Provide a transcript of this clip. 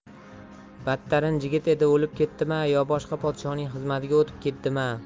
battarin jigit edi o'lib ketdima yo boshqa podshoning xizmatiga o'tib ketdima